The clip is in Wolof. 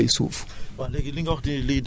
ñoom ñooy définir dooley suuf